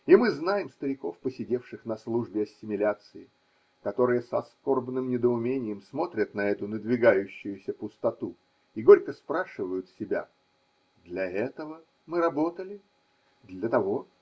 И мы знаем стариков, поседевших на службе ассимиляции, которые со скорбным недоумением смотрят на эту надвигающуюся пустоту и горько спрашивают себя: – Для этого мы работали? Для того.